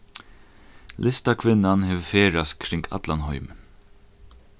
listakvinnan hevur ferðast kring allan heimin